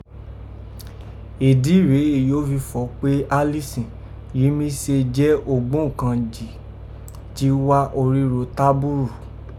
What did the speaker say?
Ìdí rèé èyí ó fi fọ̀ pé Allison, yìí mi se jẹ́ ògbóǹkangí, jí wá orígho tábùrù.